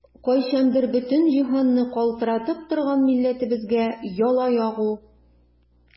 Кайчандыр бөтен җиһанны калтыратып торган милләтебезгә яла ягу!